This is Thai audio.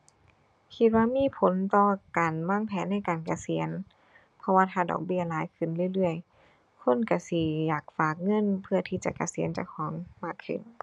คิดว่ามีผลต่อการวางแผนในการเกษียณ เพราะว่าถ้าดอกเบี้ยหลายขึ้นเรื่อยเรื่อย คนก็สิอยากฝากเงินเพื่อที่จะเกษียณเจ้าของมากขึ้น